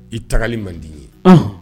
I tagali man di ye.